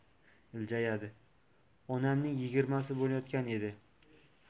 iljayadi onamning yigirmasi bo'layotgan edi